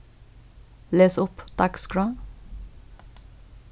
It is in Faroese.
les upp dagsskrá